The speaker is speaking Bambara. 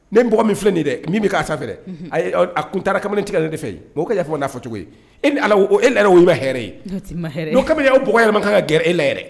Nin bɔgɔ min filɛ nin ye dɛ min bɛ k'a sanfɛ dɛ, unhun, a tun taara kamalentigɛ la ne de fɛ yen, ɔgɔw ka yafa n ma n'a fɔcogo ye, e ni Ala o y'i ma yɛrɛ i bɛ hɛrɛ ye, o t'i ma yɛrɛ ye, o bɔgɔ man kan ka gɛrɛ e la yɛrɛ